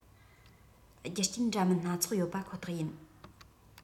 རྒྱུ རྐྱེན འདྲ མིན སྣ ཚོགས ཡོད པ ཁོ ཐག ཡིན